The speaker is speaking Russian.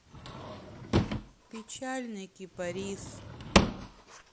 печальный кипарис